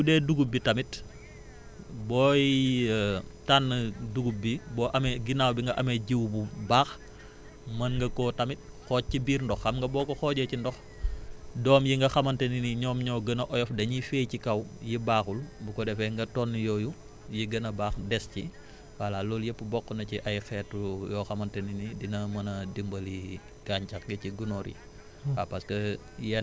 bu dee dugub bi tamit booy tànn dugub bi boo amee ginnaaw bi nga amee jiw bu baax mën nga koo tamit xooj ci biir ndox xam nga boo ko xoojee ci ndox doom yi nga xamante ne ni ñoom ñoo gën a oyof dañuy féey ci kaw yi baaxul bu ko defee nga tonni yooyu yi gën a baax des ci voilà loolu yëpp bokk na ci ay xeetu yoo xamante ne ni dina mën adimbali gàncax gi ci gunóor yi